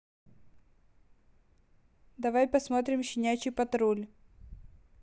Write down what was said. давай посмотрим щенячий патруль